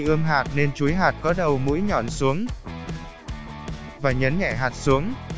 khi ươm hạt nên chúi có đầu mũi nhọn xuống và nhấn nhẹ hạt xuống